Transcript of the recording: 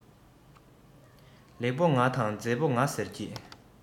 ལེགས པོ ང དང མཛེས པོ ང ཟེར གྱི